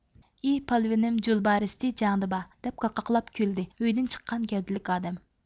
ئى پالۋىنىم جولبارىستى جەڭدىڭبا دەپ قاقاقلاپ كۈلدى ئۆيدىن چىققان گەۋدىلىك ئادەم